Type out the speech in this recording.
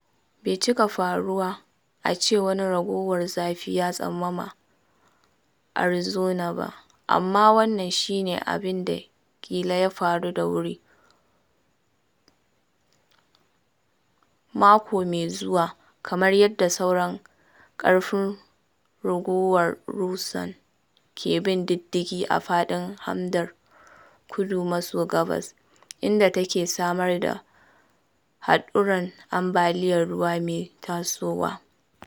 Bai cika faruwa a ce wani raguwar zafi ya tasamma Arizona ba, amma wannan shi ne abin da ƙila ya faru da wuri mako mai zuwa kamar yadda sauran ƙarfin Guguwar Rosan ke bin diddigi a faɗin Hamadar Kudu-maso-gabas, inda take samar da haɗuran ambaliyar ruwa mai tasowa.